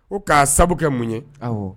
O k'a sababu kɛ mun ye